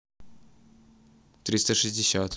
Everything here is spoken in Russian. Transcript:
триста шестьдесят